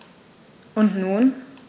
Und nun?